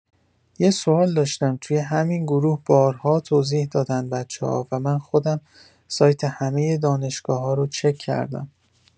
یه سوال داشتم توی همین گروه بارها توضیح دادن بچه‌ها و من خودم سایت همه دانشگاه‌‌ها رو چک کردم.